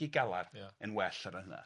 yn well a ran hynna.